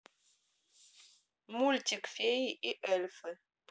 мультик феи и эльфы